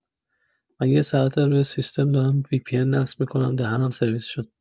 من یه ساعته روی سیستم دارم وی‌پی‌ان نصب می‌کنم دهنم سرویس شد.